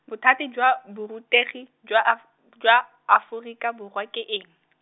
Bothati jwa Borutegi, jwa Af-, jwa Aforika Borwa ke eng?